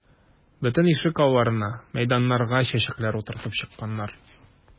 Бөтен ишек алларына, мәйданнарга чәчәкләр утыртып чыкканнар.